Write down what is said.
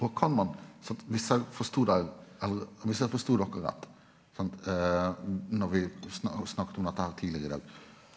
og kan ein sant viss eg forstod deg eller viss eg forstod dokker rett sant når vi har snakka om at dette her tidlegare i dag,